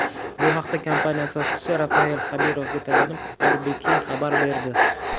bu haqda kompaniya asoschisi rafael xabirovga tayanib rbk xabar berdi